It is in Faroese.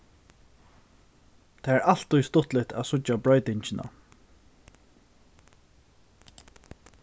tað er altíð stuttligt at síggja broytingina